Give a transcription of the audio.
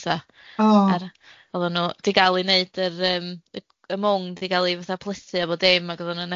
Odda nw di gal i neud yr yym y mwng i gal i fatha plethu a bob dim dim, ac oddan nw'n